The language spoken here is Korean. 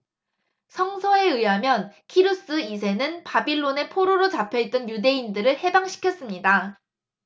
성서에 의하면 키루스 이 세는 바빌론에 포로로 잡혀 있던 유대인들을 해방시켰습니다